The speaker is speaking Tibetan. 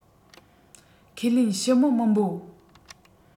ཁས ལེན ཕྱི མི མི འབོད